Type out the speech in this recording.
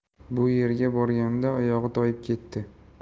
bu yerga borganda oyog'i toyib ketdi